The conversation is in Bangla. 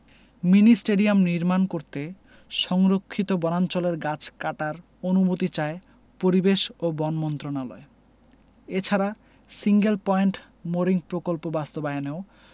মিনি স্টেডিয়াম নির্মাণ করতে সংরক্ষিত বনাঞ্চলের গাছ কাটার অনুমতি চায় পরিবেশ ও বন মন্ত্রণালয় এছাড়া সিঙ্গেল পয়েন্ট মোরিং প্রকল্প বাস্তবায়নেও